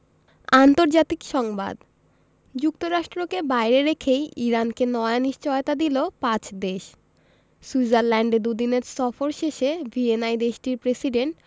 আন্তর্জাতিক সংবাদ যুক্তরাষ্ট্রকে বাইরে রেখেই ইরানকে নয়া নিশ্চয়তা দিল পাঁচ দেশ সুইজারল্যান্ডে দুদিনের সফর শেষে ভিয়েনায় দেশটির প্রেসিডেন্ট